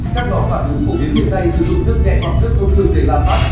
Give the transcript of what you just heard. các lò phản ứng phổ biến hiện nay sử dụng nước nhẹ hoặc nước thông thường để làm mát